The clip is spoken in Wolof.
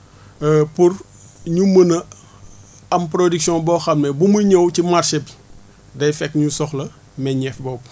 pour ñu mun a am production boo xam ne bu mu ñëw ci marché bi day fekk ~u soxla meññeef boobu